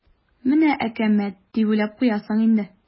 "менә әкәмәт" дип уйлап куясың инде.